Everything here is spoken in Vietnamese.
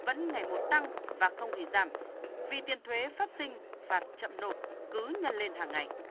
vẫn ngày một tăng và không hề giảm vì tiền thuế phát sinh phạt chậm nộp cứ nhân lên hàng ngày